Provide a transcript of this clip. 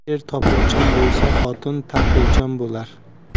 er topuvchan bo'lsa xotin taquvchan bo'lar